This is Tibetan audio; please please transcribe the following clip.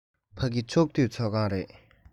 ཕ གི ཕྱོགས བསྡུས ཚོགས ཁང རེད